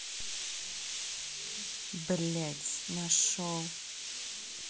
блядь нашел